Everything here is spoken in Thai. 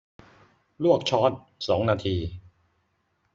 ลวกช้อนสองนาที